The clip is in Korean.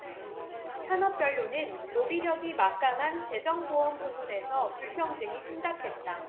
산업별로는 로비력이 막강한 재정 보험 부문에서 불평등이 심각했다